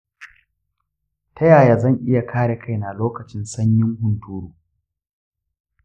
ta yaya zan iya kare kaina lokacin sanyin hunturu?